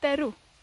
derw.